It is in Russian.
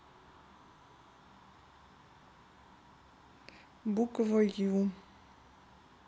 буква ю